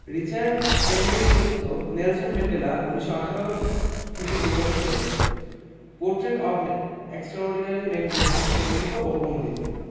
Richard Stengel রচিত Nelson Mandela ১৯১৮ থেকে ২০১৩ portrait of an extraordinary man বই থেকে সংগৃহীত ও অনূদিত